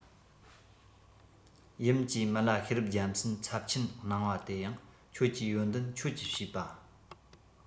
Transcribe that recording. ཡུམ གྱིས མི ལ ཤེས རབ རྒྱལ མཚན ཚབས ཆེན གནང བ དེ ཡང ཁྱོད ཀྱི ཡོན ཏན ཁྱོད ཀྱི བྱས པ